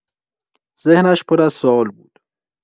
ذهنش پر از سوال بود.